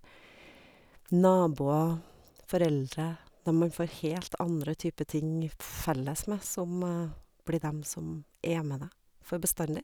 Naboer, foreldre, dem man får helt andre type ting fp felles med, som blir dem som er med deg for bestandig.